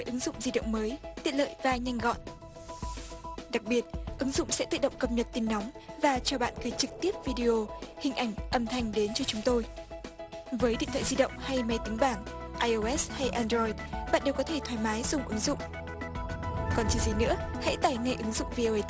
ứng dụng di động mới tiện lợi và nhanh gọn đặc biệt ứng dụng sẽ tự động cập nhật tin nóng và cho bạn quay trực tiếp vi đi ô hình ảnh âm thanh đến cho chúng tôi với điện thoại di động hay máy tính bảng ai ô ét hay an roi bạn đều có thể thoải mái dùng ứng dụng còn chờ gì nữa hãy tải ngay ứng dụng vi ô ây